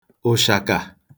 ụ̀shàkà